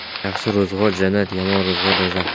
yaxshi ro'zg'or jannat yomon ro'zg'or do'zax